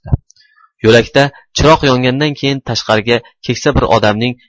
yo'lakda chiroq yongandan keyin tashqaridan keksa bir odamning